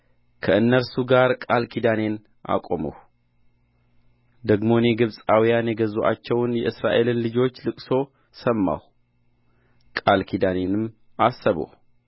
ከእነርሱ ጋር ቃል ኪዳኔን አቆምሁ ደግሞ እኔ ግብፃውያን የገዙአቸውን የእስራኤልን ልጆች ልቅሶ ሰማሁ ቃል ኪዳኔንም አሰብሁ